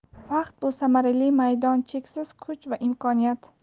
vaqt bu samarali maydon cheksiz kuch va imkoniyat